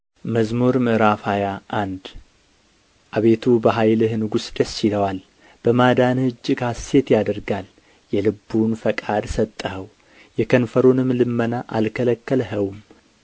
መዝሙር ምዕራፍ ሃያ አንድ አቤቱ በኃይልህ ንጉሥ ደስ ይለዋል በማዳንህ እጅግ ሐሤትን ያደርጋል የልቡን ፈቃድ ሰጠኽው የከንፈሩንም ልመና አልከለከልኸውም